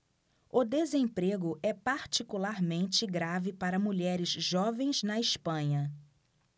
o desemprego é particularmente grave para mulheres jovens na espanha